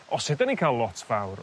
os ydyn ni'n ca'l lot fawr